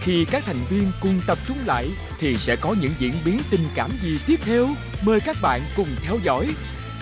khi các thành viên cùng tập trung lại thì sẽ có những diễn biến tình cảm gì tiếp theo mời các bạn cùng theo dõi